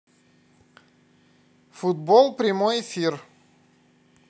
футбол прямой эфир